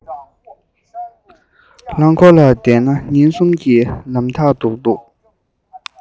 རླངས འཁོར ལ བསྡད ན ཉིན གསུམ གྱི ལམ ཐག འདུག